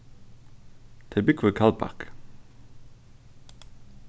tey búgva í kaldbak